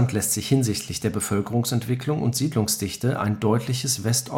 lässt sich hinsichtlich der Bevölkerungsentwicklung und Siedlungsdichte ein deutliches West-Ost-Gefälle